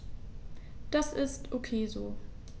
Das ist ok so.